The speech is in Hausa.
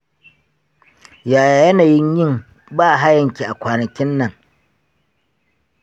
yaya yanayin yin bahayanki a kwana kinnan?